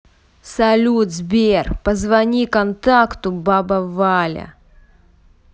салют сбер позвони контакту баба валя